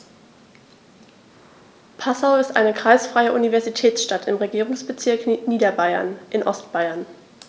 Passau ist eine kreisfreie Universitätsstadt im Regierungsbezirk Niederbayern in Ostbayern.